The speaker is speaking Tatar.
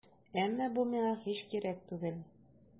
Әмма бу миңа һич кирәк түгел.